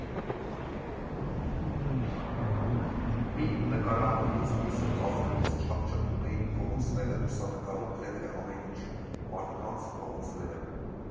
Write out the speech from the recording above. Մի նկարահանումից մյուսը վազելուց չափչփում էի փողոցները, լուսանկարում գրեթե ամեն ինչ, մարդկանց, փողոցները։